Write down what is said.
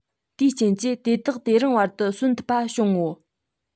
དེའི རྐྱེན གྱིས དེ དག དེ རིང བར དུ གསོན ཐུབ པ བྱུང ངོ